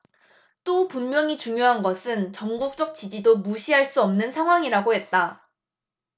또 분명히 중요한 것은 전국적 지지도 무시할 수 없는 상황이라고 했다